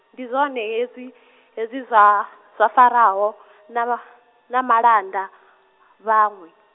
ndo zwone hezwi , hezwi zwa, zwa Faraho , na vha, na mulanda, vhaṅwe.